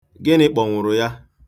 Gịnị kpọnwụrụ ya?